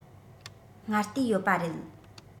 སྔ ལྟས ཡོད པ རེད